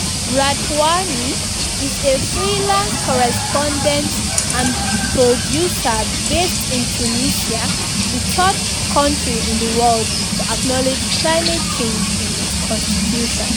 Radhouane is a freelance correspondent and producer based in Tunisia, the third country in the world to acknowledge climate change in its Constitution.